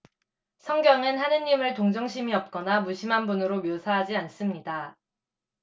성경은 하느님을 동정심이 없거나 무심한 분으로 묘사하지 않습니다